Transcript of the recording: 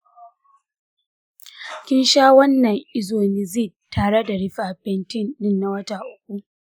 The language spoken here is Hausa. ki sha wannan isoniazid tare da rifapentine ɗin na wata uku